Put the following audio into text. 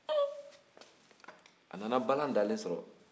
unh a nana bala dalen sɔrɔ